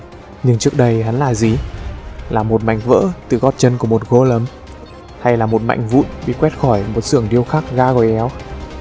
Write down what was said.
nhưng trước đây hắn là gì một mảnh vỡ từ gót chân một golem một mẩu vụn bị quét khỏi một xưởng điêu khắc tượng gargoyle